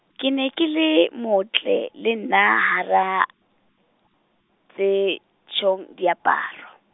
ke ne ke le motle le nna, hara tse tjhong, diaparo.